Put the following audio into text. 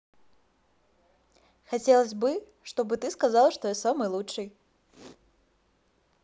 хотелось бы чтобы ты сказала что я самый лучший